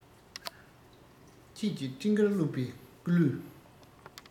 ཁྱེད ཀྱི སྤྲིན དཀར བཀླུབས པའི སྐུ ལུས